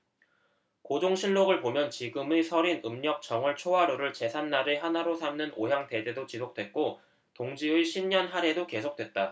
고종실록 을 보면 지금의 설인 음력 정월초하루를 제삿날의 하나로 삼는 오향대제도 지속됐고 동지의 신년하례도 계속됐다